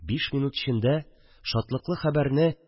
Биш минут эчендә шатлыклы хәбәрне